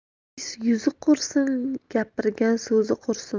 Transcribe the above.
yomonning yuzi qursin gapirgan so'zi qursin